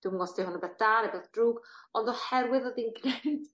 dwi'm yn g'o' os 'di hwn yn beth da ne' beth drwg ond oherwydd o'dd 'i'n ...